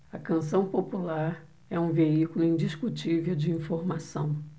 a canção popular é um veículo indiscutível de informação